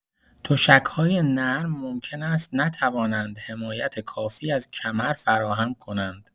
تشک‌های نرم ممکن است نتوانند حمایت کافی از کمر فراهم کنند.